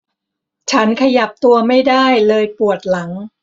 ฉันขยับตัวไม่ได้เลยปวดหลัง